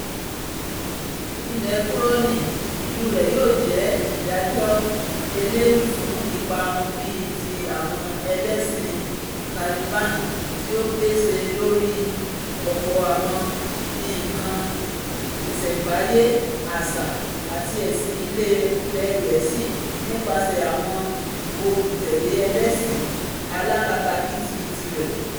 Ìlékúróní-ìlú rẹ̀ yóò jẹ́ ìdájọ̀ eléwì fún ìparun bíi ti àwọn ẹlẹ́sìn Taliban tí ó gbé ṣe lóri ọ̀pọ̀ àwọn nǹkan ìṣẹ̀ḿbáyé àṣà àti ẹ̀sìn ilẹ Gẹ̀ẹ́sì nípaṣẹ̀ àwọn olùtẹ̀lé Ẹlẹ́sìn alákatakí tirẹ̀.